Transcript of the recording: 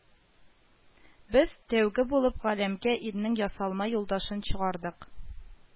Без, тәүге булып, галәмгә ирнең ясалма юлдашын чыгардык